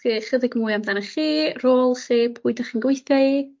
dysgu chydig mwy amdanoch chi rhôl chi pwy 'dych chi'n gweithio i?